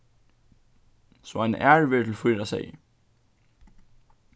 so ein ær verður til fýra seyðir